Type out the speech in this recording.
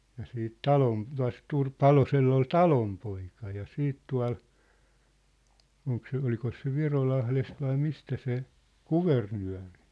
ja sitten - tuossa Palosella oli Talonpoika ja sitten tuolla onko se olikos se Virolahdesta vai mistä se Kuvernööri